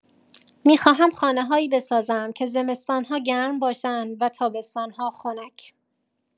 می‌خواهم خانه‌هایی بسازم که زمستان‌ها گرم باشند و تابستان‌ها خنک.